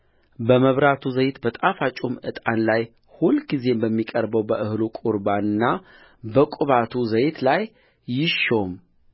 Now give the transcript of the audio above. በመብራቱ ዘይት በጣፋጩም ዕጣን ላይ ሁልጊዜም በሚቀርበው በእህሉ ቍርባንና በቅባቱ ዘይት ላይ ይሾም